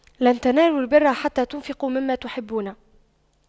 لَن تَنَالُواْ البِرَّ حَتَّى تُنفِقُواْ مِمَّا تُحِبُّونَ